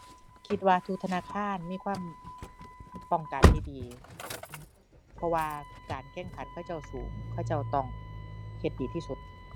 คิดว่าทุกธนาคารมีความป้องกันที่ดี เพราะว่าการแข่งขันเขาเจ้าสูง เขาเจ้าต้องเฮ็ดดีที่สุด